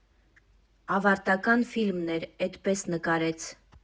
Ավարտական ֆիլմն էլ էդպես նկարեց.